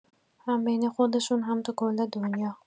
هم بین خودشون هم تو کل دنیا